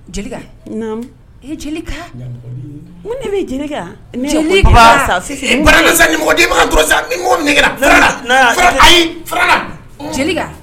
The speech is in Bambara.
Jelika. Naamu. Ee Jelika! Mun de bɛyi Jelika? Jelika? Ne ye kokobaga san si Fara n la sa ɲɔmɔgɔden, i bɛ kan n tɔrɔ sa, far'a la far'a la ahi, far'a la. un,. Jelika.